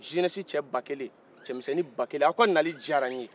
zenɛsi cɛ ba kelen cɛmisɛnnin ba kelen a ka nali diyara n ye